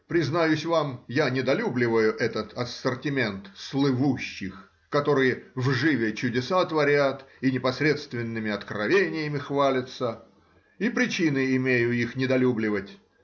Признаюсь вам, я недолюбливаю этот ассортимент слывущих, которые вживе чудеса творят и непосредственными откровениями хвалятся, и причины имею их недолюбливать.